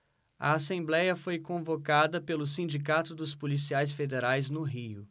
a assembléia foi convocada pelo sindicato dos policiais federais no rio